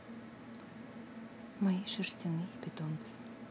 мои шерстяные питомцы